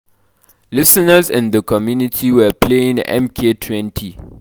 Listeners in the community were paying MK20 (approx.